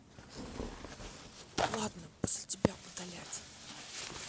ладно после тебя удалять